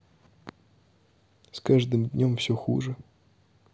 с каждым днем все хуже